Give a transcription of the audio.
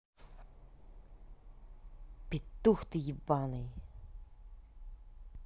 петух ты ебаный